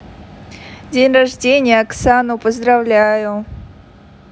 день рождения оксану поздравляю